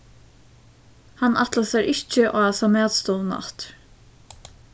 hann ætlar sær ikki á hasa matstovuna aftur